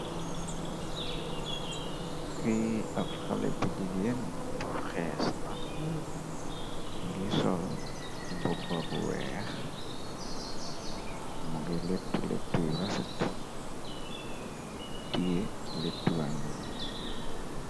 Xi ab xale bu jigeen ba xees na, ngi sol mbobba bu weex, mu ngi lettu lettuy rafet, tie letu am yi.